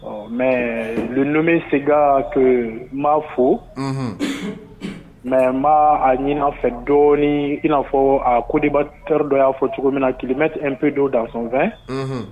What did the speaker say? Ɔ mais le nommé SEGAL que n b'a fo, mais n bɛ a ɲin'a fɛ dɔɔni, i n'a fɔ a co-debatteur dɔ y'a fɔ togomin na, Qu'il mette un peu d'eau dans son vin